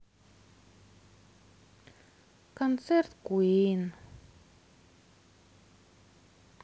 концерт куин